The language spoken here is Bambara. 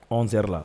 Anw sarari la